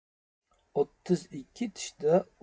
o'ttiz ikki tishda